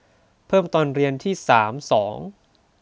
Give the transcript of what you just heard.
เพิ่มตอนเรียนที่สามสอง